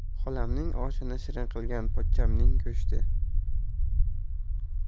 xolamning oshini shirin qilgan pochchamning go'shti